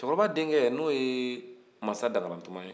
cɛkɔrɔba denkɛ n'o ye masa dankaratuma